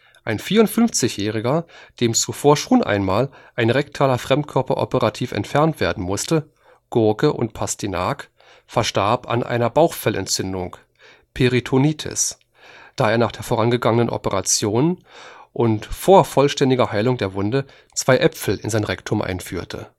Ein 54-jähriger, dem zuvor schon zweimal ein rektaler Fremdkörper operativ entfernt werden musste (Gurke und Pastinak), verstarb an einer Bauchfellentzündung (Peritonitis), da er nach der vorangegangenen Operation – und vor vollständiger Heilung der Wunde – zwei Äpfel in sein Rektum einführte